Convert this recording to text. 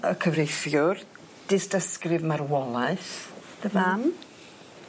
...y cyfreithiwr disdysgrif marwolaeth dy fam.